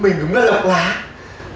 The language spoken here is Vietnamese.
mình đúng là lộc lá à